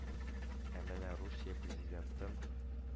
Ә менә русия президентын